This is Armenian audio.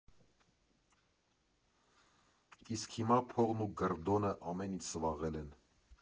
Իսկ հիմա փողն ու գռդոնը ամեն ինչ սվաղել են։